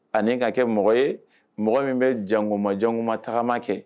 Ani ka kɛ mɔgɔ ye mɔgɔ min bɛ jankumama jankumama tagama kɛ